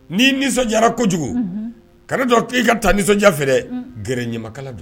N'i nisɔndiyara kojugu ka n'ato i ka taa nisɔndiya fɛdɛ. Gɛrɛ ɲamakala dɔ la.